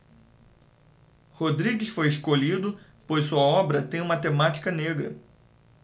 rodrigues foi escolhido pois sua obra tem uma temática negra